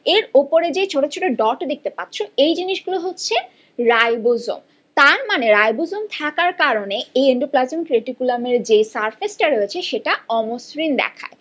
এর উপরে যে ছোট ছোট ডট দেখতে পাচ্ছ এই জিনিসগুলো হচ্ছে রাইবোজোম তারমানে রাইবোজোম থাকার কারণেই এ এন্ডোপ্লাজমিক রেটিকুলামের যে সার্ফেস টা রয়েছে সেটা অমসৃণ দেখায়